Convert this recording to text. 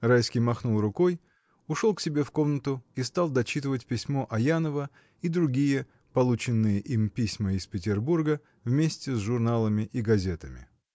Райский махнул рукой, ушел к себе в комнату и стал дочитывать письмо Аянова и другие полученные им письма из Петербурга, вместе с журналами и газетами.